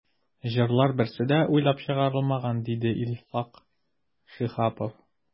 “җырлар берсе дә уйлап чыгарылмаган”, диде илфак шиһапов.